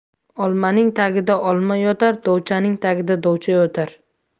olmaning tagida olma yotar dovchaning tagida dovcha yotar